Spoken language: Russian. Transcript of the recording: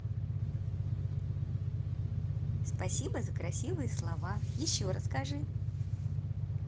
спасибо за красивые слова еще расскажи